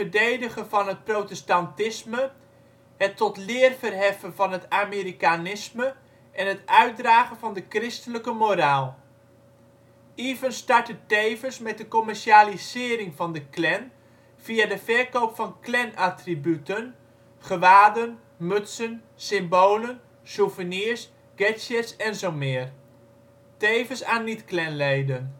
verdedigen van het protestantisme, het tot leer verheffen van het Amerikanisme en het uitdragen van de christelijke moraal. Evans startte tevens met de commercialisering van de Klan via de verkoop van Klanattributen (gewaden, mutsen, symbolen, souvenirs, gadgets en zomeer), tevens aan niet-Klanleden